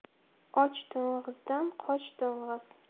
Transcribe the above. och to'ng'izdan qoch to'ng'iz